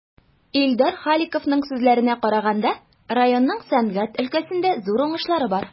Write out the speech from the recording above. Илдар Халиковның сүзләренә караганда, районның сәнәгать өлкәсендә зур уңышлары бар.